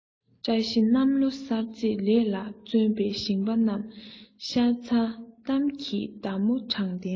བཀྲ ཤིས པའི གནམ ལོ གསར ཚེས ལས ལ བརྩོན པའི ཞིང པ རྣམས ཤ ཚའི གཏམ གྱི མདའ མོ དྲང བདེན མ